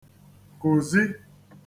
kùzi